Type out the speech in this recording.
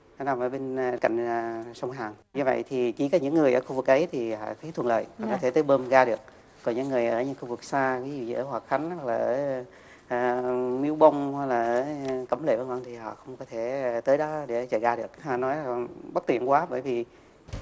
hắn nằm ở bên cạnh là sông hàn như vậy thì chỉ có những người ở khu vực ấy thì thấy thuận lợi có thể tới bơm ga được còn những người ở những khu vực xa ví ở hòa khánh hoặc là ờ miếu bông hay là cẩm lệ vân vân thì họ không có thể tới đó để chạy ga được họ nói hơi bất tiện quá bởi vì